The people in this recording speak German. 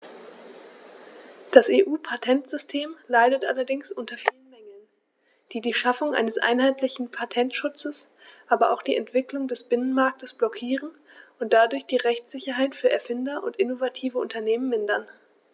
Das EU-Patentsystem leidet allerdings unter vielen Mängeln, die die Schaffung eines einheitlichen Patentschutzes, aber auch die Entwicklung des Binnenmarktes blockieren und dadurch die Rechtssicherheit für Erfinder und innovative Unternehmen mindern.